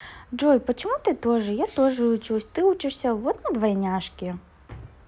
джой почему ты тоже я тоже учусь ты учишься вот мы двойняшки